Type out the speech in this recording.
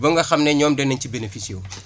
ba nga xam ne ñoom dañ ci bénéficier wu